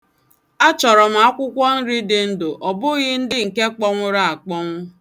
Achọrọ m akwụkwọ nri dị ndụ, ọ bụghị ndị nke kpọnwụrụ akpọnwụ.